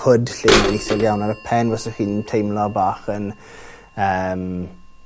hood lle mae'n isel iawn ar y pen fysech chi'n teimlo bach yn yym